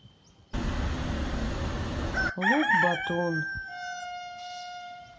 лук батун